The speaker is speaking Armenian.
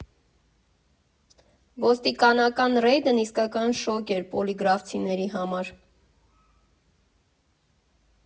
Ոստիկանական ռեյդն իսկական շոկ էր պոլիգրաֆցիների համար։